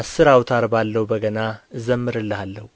አሥር አውታር ባለው በገና እዘምርልሃለሁ